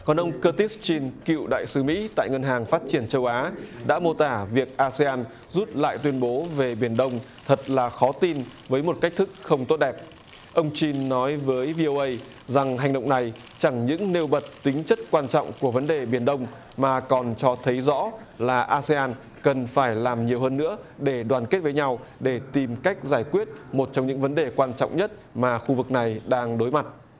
còn ông cơ tít chin cựu đại sứ mỹ tại ngân hàng phát triển châu á đã mô tả việc a si an rút lại tuyên bố về biển đông thật là khó tin với một cách thức không tốt đẹp ông chin nói với vi ô ây rằng hành động này chẳng những nêu bật tính chất quan trọng của vấn đề biển đông mà còn cho thấy rõ là a si an cần phải làm nhiều hơn nữa để đoàn kết với nhau để tìm cách giải quyết một trong những vấn đề quan trọng nhất mà khu vực này đang đối mặt